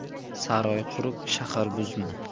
saroy qurib shahar buzma